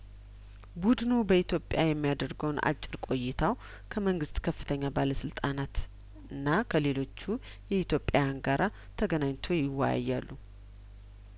ቡድኑ በኢትዮጵያ የሚያደርገውን አጭር ቆይታው ከመንግስት ከፍተኛ ባለስልጣናት እና ከሌሎቹ የኢትዮጵያን ጋራ ተገናኝቶ ይወያያሉ